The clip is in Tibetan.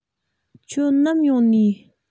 ཁྱོད ནམ ཡོང ནིས